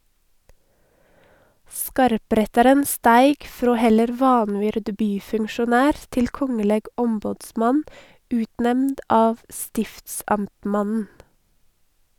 Skarprettaren steig frå heller vanvyrd byfunksjonær til kongeleg ombodsmann, utnemnd av stiftsamtmannen.